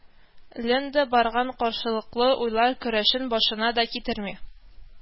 Лендә барган каршылыклы уйлар көрәшен башына да китерми